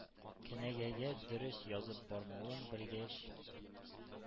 Кенәгәгә дөрес язып бармавын белгәч,